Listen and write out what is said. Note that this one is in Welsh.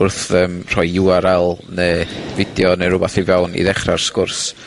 wrth yym rhoi You Are Elle ne' fideo ne' rwbeth i fewn i ddechra'r sgwrs.